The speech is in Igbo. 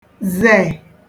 zè